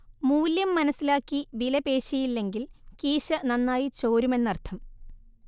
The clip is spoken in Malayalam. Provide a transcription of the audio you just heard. മൂല്യം മനസ്സിലാക്കി വിലപേശിയില്ലെങ്കിൽ കീശ നന്നായി ചോരുമെന്നർഥം